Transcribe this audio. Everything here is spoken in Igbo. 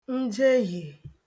njehiè